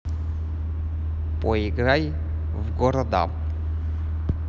поиграй в города